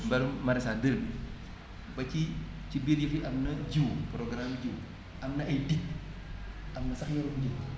mbirum maraichage dër bi ba ci ci biir yëf yi am na jiwu programme jiwu am na ay digues am na sax ***